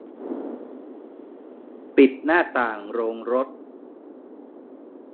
ปิดหน้าต่างโรงรถ